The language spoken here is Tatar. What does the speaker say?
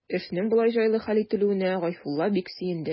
Эшнең болай җайлы хәл ителүенә Гайфулла бик сөенде.